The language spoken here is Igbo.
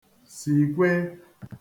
sìkwe